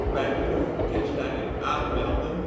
bij de luchtverkeersleiding aanmelden